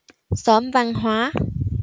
xóm văn hóa